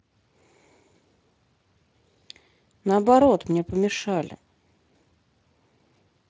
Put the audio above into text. наоборот мне помешали